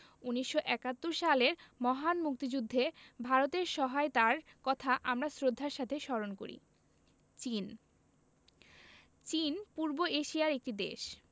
১৯৭১ সালের মহান মুক্তিযুদ্ধে ভারতের সহায়তার কথা আমরা শ্রদ্ধার সাথে স্মরণ করি চীনঃ চীন পূর্ব এশিয়ার একটি দেশ